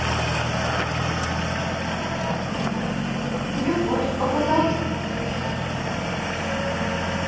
тебе фотку показать